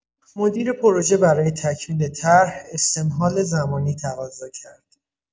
مدیر پروژه برای تکمیل طرح، استمهال زمانی تقاضا کرد.